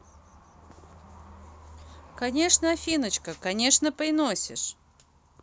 конечно афиночка конечно приносишь